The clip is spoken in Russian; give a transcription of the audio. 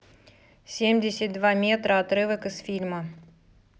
семьдесят два метра отрывок из фильма